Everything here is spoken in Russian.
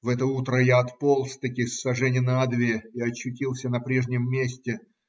В это утро я отполз-таки сажени на две и очутился на прежнем месте.